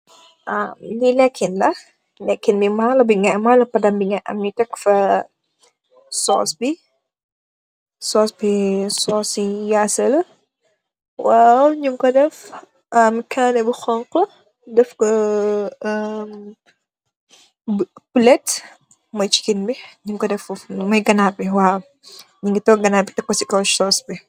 Lii leekun, la. Leekin bi maalo padañ ngaay am, soos bi. Soos bi soo si yaapu la. Waaw, ñuñ ko def caane bu xoñxa, bu pulét, mooy ciikin bi. Ñuñ co tek foof u noon. Muy ganaar, bi waaw. Ñu ngi toogu gënaar bi tek co si kow soos bi.